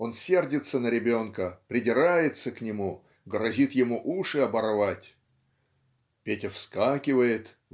он сердится на ребенка, придирается к нему, грозит ему "уши оборвать". "Петя вскакивает